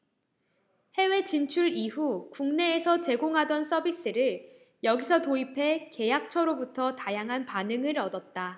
해외 진출 이후 국내에서 제공하던 서비스를 여기서 도입해 계약처로부터 다양한 반응을 얻었다